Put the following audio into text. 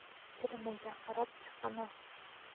kirimiga qarab chiqimi